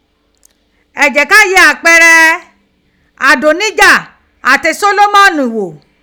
E je ka ye apeere Adonija ati Solomoni gho